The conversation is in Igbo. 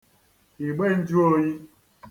igbenjụoyī